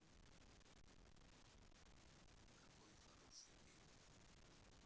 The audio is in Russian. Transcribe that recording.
какой хороший день